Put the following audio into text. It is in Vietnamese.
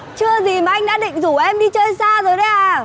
chưa gì mà anh đã định rủ em đi chơi xa rồi đấy à